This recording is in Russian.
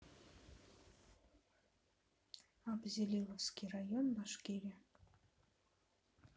абзелиловский район башкирия